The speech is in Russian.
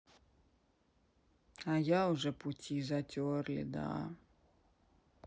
а уже путь затерли да